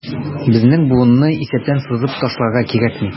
Безнең буынны исәптән сызып ташларга кирәкми.